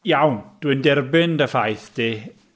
Iawn, dwi'n derbyn dy ffaith di.